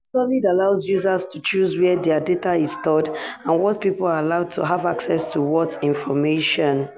Solid allows users to choose where their data is stored and what people are allowed to have access to what information.